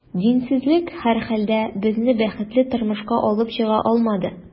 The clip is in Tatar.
Динсезлек, һәрхәлдә, безне бәхетле тормышка алып чыга алмады.